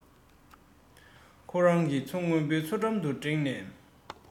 ཁོ རང གི མཚོ སྔོན པོའི མཚོ འགྲམ དུ འགྲེངས ནས